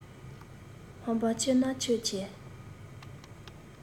ཧམ པ ཆེ ན ཁྱོད ཆེ